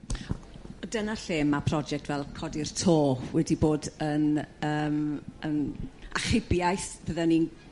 Dyna lle ma' project fel codi'r to wedi bod yn yrm yn achubiaeth bydda'n i'n